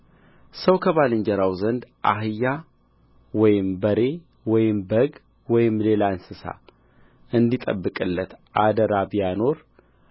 ሰው ከባልንጀራው ዘንድ አህያ ወይም በሬ ወይም በግ ወይም ሌላ እንስሳ እንዲጠብቅለት አደራ ቢያኖር